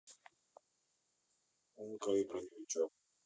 умка и броневичок